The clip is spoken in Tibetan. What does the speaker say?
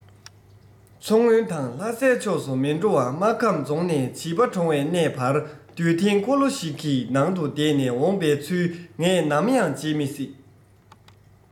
མཚོ སྔོན དང ལྷ སའི ཕྱོགས སུ མི འགྲོ བ སྨར ཁམས རྫོང ནས བྱིས པ གྲོངས བའི གནས བར འདུད འཐེན འཁོར ལོ ཞིག གི ནང དུ བསྡད ནས འོང བའི ཚུལ ངས ནམ ཡང བརྗེད མི སྲིད